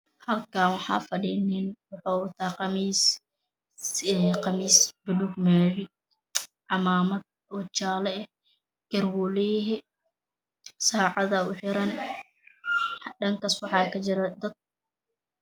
Halkan waxaa fadhiyo nin qamiis eyow wataa kalar kisi waa baluug mari iyo amamad jale ah sacadna woow wata